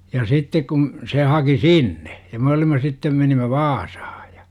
ja sitten kun se haki sinne ja me olimme sitten menimme Vaasaan ja